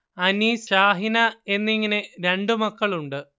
അനീസ് ഷാഹിന എന്നിങ്ങനെ രണ്ട് മക്കളുണ്ട്